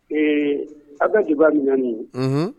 Ee a' bɛ débat min na nin ye unhun